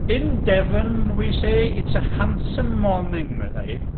In Devon, we say, it's a handsome morning. meddai hi.